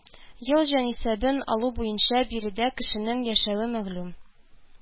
Ел җанисәбен алу буенча биредә кешенең яшәве мәгълүм